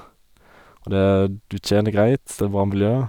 Og det er du tjener greit, det er bra miljø.